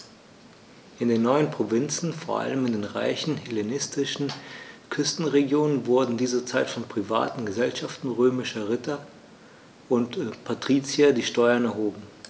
In den neuen Provinzen, vor allem in den reichen hellenistischen Küstenregionen, wurden in dieser Zeit von privaten „Gesellschaften“ römischer Ritter und Patrizier die Steuern erhoben.